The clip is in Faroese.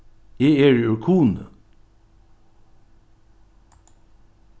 eg eri úr kunoy